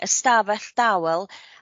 ystafell dawel